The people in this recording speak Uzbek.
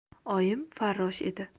oyim farrosh edi